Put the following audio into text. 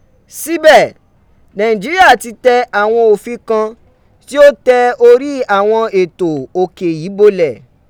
Síbẹ̀, Nàìjíríà tí tẹ àwọn òfin kan tí ó tẹ orí àwọn ẹ̀tọ́ òkè yìí bọlẹ̀.